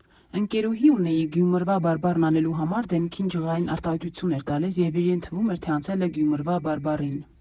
Ընկերուհի ունեի՝ Գյումրվա բարբառն անելու համար դեմքին ջղային արտահայտություն էր տալիս և իրեն թվում էր, թե անցել է Գյումրվա բարբառին։